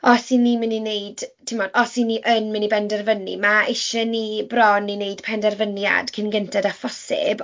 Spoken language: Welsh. Os 'y ni'n myn' i wneud, timod, os 'y ni yn mynd i benderfynu, ma' isie ni bron i wneud penderfyniad cyn gynted â phosib.